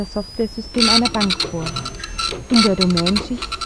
Softwaresystem einer Bank vor. In der Domänenschicht